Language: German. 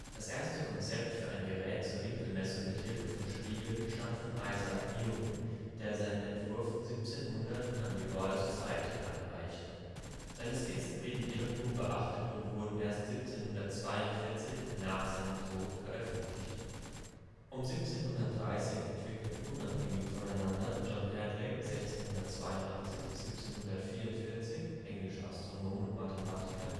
Das erste Konzept für ein Gerät zur Winkelmessung mit Hilfe von Spiegeln stammt von Isaac Newton, der seinen Entwurf 1700 an die Royal Society einreichte. Seine Skizzen blieben jedoch unbeachtet und wurden erst 1742, nach seinem Tod, veröffentlicht. Um 1730 entwickelten unabhängig voneinander John Hadley (1682 - 1744), englischer Astronom und Mathematiker